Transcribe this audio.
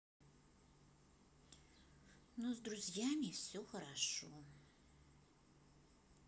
но с друзьями все хорошо